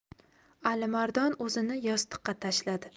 alimardon o'zini yostiqqa tashladi